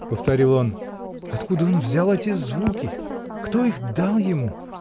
— повторил он, — откуда он взял эти звуки? Кто их дал ему?